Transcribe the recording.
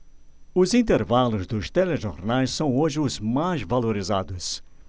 os intervalos dos telejornais são hoje os mais valorizados